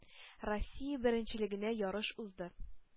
Россия беренчелегенә ярыш узды.